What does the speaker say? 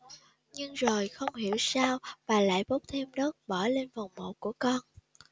nhưng rồi không hiểu sao bà lại bốc thêm đất bỏ lên phần mộ của con